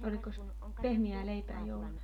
olikos pehmeää leipää jouluna